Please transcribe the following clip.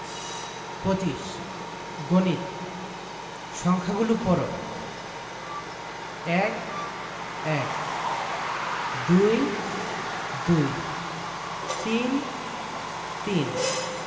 ২৫ গণিত সংখ্যাগুলো পড়ঃ ১ - এক ২ - দুই ৩ - তিন